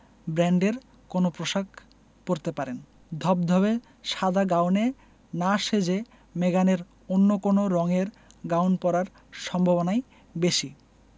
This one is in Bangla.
ব্র্যান্ডের কোনো পোশাক পরতে পারেন ধবধবে সাদা গাউনে না সেজে মেগানের অন্য কোন রঙের গাউন পরার সম্ভাবনাই বেশি